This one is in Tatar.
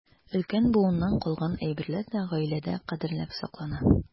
Өлкән буыннан калган әйберләр дә гаиләдә кадерләп саклана.